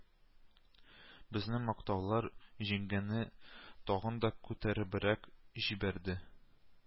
Безнең мактаулар җиңгәне тагын да күтәребрәк җибәрде